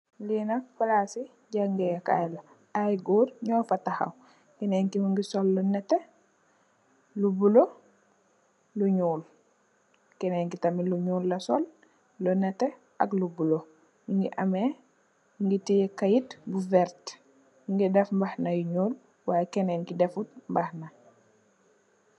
Lii nak palasi jangeh Kaila. Ayy gorr nyofa takhaw. Kenen ki mungi sol lu neteh, lu bula, lu nyul, kenen ki tamit lu nyul la sol, lu neteh ak lu bula. Nyingi ameh, nyingi tiyeh Kaiit bu vertt, mungi teff mbahna bu nyul wayeh kenen ki defut mbahna.